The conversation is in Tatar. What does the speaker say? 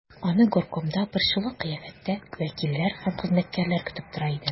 Аны горкомда борчулы кыяфәттә вәкилләр һәм хезмәткәрләр көтеп тора иде.